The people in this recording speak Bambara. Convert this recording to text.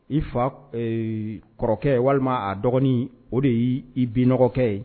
I fa kɔrɔkɛ walima a dɔgɔnin o de y' i binɔgɔkɛ ye